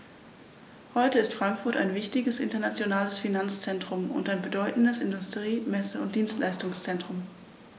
Heute ist Frankfurt ein wichtiges, internationales Finanzzentrum und ein bedeutendes Industrie-, Messe- und Dienstleistungszentrum.